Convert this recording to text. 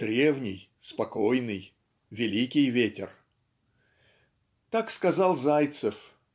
древний, спокойный, великий ветер" так сказал Зайцев